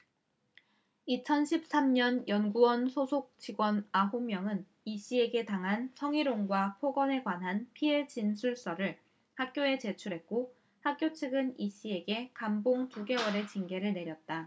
이천 십 삼 년 연구원 소속 직원 아홉 명은 이씨에게 당한 성희롱과 폭언에 관한 피해 진술서를 학교에 제출했고 학교 측은 이씨에게 감봉 두 개월의 징계를 내렸다